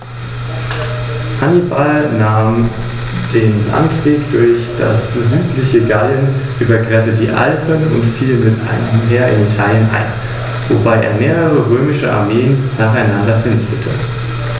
Nachdem Karthago, solcherart provoziert, die Römer von See aus angegriffen und geschlagen hatte, baute Rom seine Flotte aus, um der Seemacht Karthago erfolgreich entgegentreten zu können.